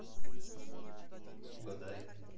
угадай